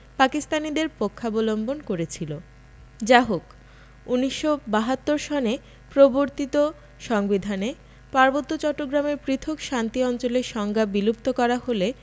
পাকিস্তানীদের পক্ষাবলম্বন করেছিল যাহোক ১৯৭২ সনে প্রবর্তিত সংবিধানে পার্বত্য চট্টগ্রামের পৃথক শান্তি অঞ্চলের সংজ্ঞা বিলুপ্ত করা হলে